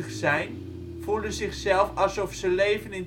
zijn voelen zichzelf alsof ze leven